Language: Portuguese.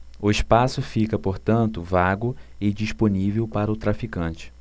o espaço fica portanto vago e disponível para o traficante